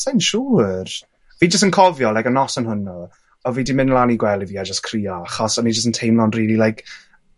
'sai'n siŵr. Fi jyst yn cofio like y noson hwnnw o' fi 'di mynd lan i gwely fi a jys crio, achos o'n i jys yn teimlo'n rili like